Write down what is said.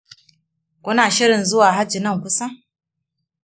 kuna shirin zuwa hajji nan kusa?